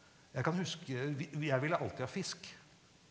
jeg kan huske vi vi jeg ville alltid ha fisk.